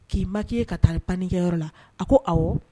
K'i ma k'i ye ka taa pankɛyɔrɔ la a ko aw